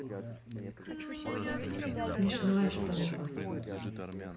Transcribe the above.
смешное что нибудь